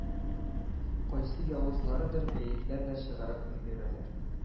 Кайсы явызларыдыр бәетләр дә чыгарып өлгерәләр